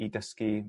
i dysgu